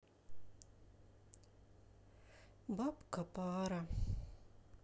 бабка пара